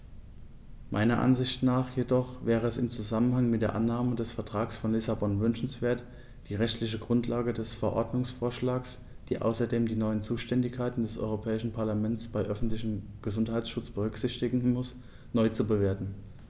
Meiner Ansicht nach jedoch wäre es im Zusammenhang mit der Annahme des Vertrags von Lissabon wünschenswert, die rechtliche Grundlage des Verordnungsvorschlags, die außerdem die neuen Zuständigkeiten des Europäischen Parlaments beim öffentlichen Gesundheitsschutz berücksichtigen muss, neu zu bewerten.